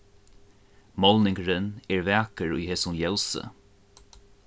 málningurin er vakur í hesum ljósi